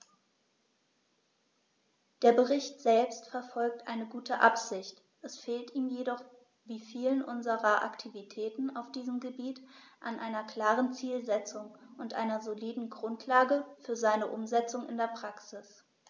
Der Bericht selbst verfolgt eine gute Absicht, es fehlt ihm jedoch wie vielen unserer Aktivitäten auf diesem Gebiet an einer klaren Zielsetzung und einer soliden Grundlage für seine Umsetzung in die Praxis.